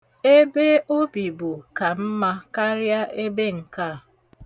Ebe o bibu ka mma karịa ebe nke a.